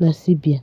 na Serbia.